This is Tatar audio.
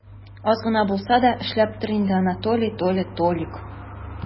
Аз гына булса да эшләп тор инде, Анатолий, Толя, Толик!